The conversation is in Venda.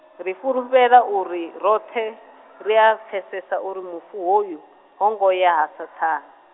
ri fhulufhela uri roṱhe, ria pfesesa uri mufu hoyu, ho ngo ya ha Saṱhane